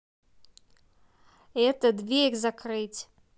это дверь закрыть